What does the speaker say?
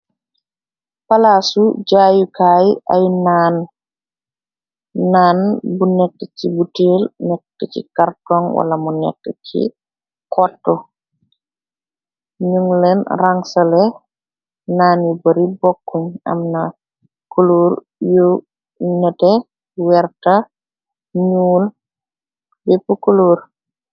Palaasu jaayukaay ay naan bu nekk ci bu teel nekk ci kartoŋ wala mu nekk ci kott nun leen rangsale naan yi bari bokkuñ am na kuluur yu nete weerta ñuul wepp kuluur.